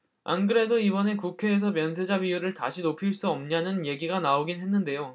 안 그래도 이번에 국회에서 면세자 비율을 다시 높일 순 없냐는 얘기가 나오긴 했는데요